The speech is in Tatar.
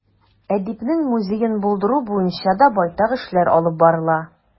Әдипнең музеен булдыру буенча да байтак эшләр алып барыла.